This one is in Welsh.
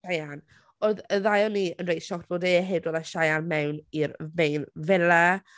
Cheyanne. Odd y ddau o ni yn reit shocked bod e heb dod â Cheyanne mewn i'r veil- villa.